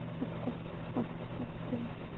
it qopmas ot tepmas dema